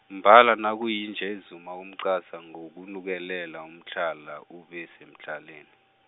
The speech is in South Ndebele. mbala nakuyinja ezuma umqasa ngokunukelela umtlhala ube semtlhaleni.